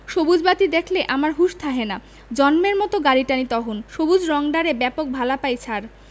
ছার সবুজ বাতি দ্যাখলে আমার হুশ থাহেনা জম্মের মত গাড়ি টানি তহন সবুজ রংডারে ব্যাপক ভালা পাই ছার